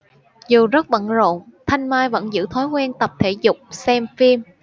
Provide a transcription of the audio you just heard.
dù rất bận rộn thanh mai vẫn giữ thói quen tập thể dục xem phim